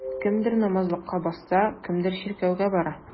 Кемдер намазлыкка басса, кемдер чиркәүгә бара.